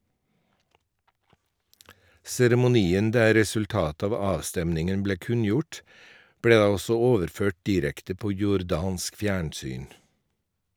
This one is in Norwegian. Seremonien der resultatet av avstemningen ble kunngjort, ble da også overført direkte på jordansk fjernsyn.